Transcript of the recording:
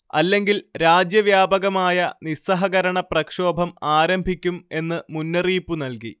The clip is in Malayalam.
അല്ലെങ്കിൽ രാജ്യവ്യാപകമായ നിസ്സഹകരണ പ്രക്ഷോഭം ആരംഭിക്കും എന്ന് മുന്നറിയിപ്പുനൽകി